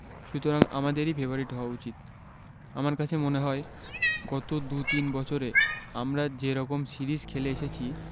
সুতরাং আমাদেরই ফেবারিট হওয়া উচিত আমার কাছে মনে হয় গত দু তিন বছরে আমরা যে রকম সিরিজ খেলে এসেছি